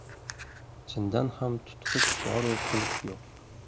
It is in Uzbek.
chindan ham tutqich boru qulf yo'q